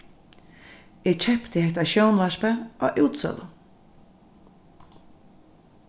eg keypti hetta sjónvarpið á útsølu